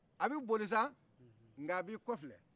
a bɛ boli sa nga a b'i kɔfilɛ